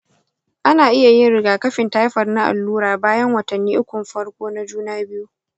ana iya yin rigakafin taifoid na allura bayan watanni ukun farko na juna biyu.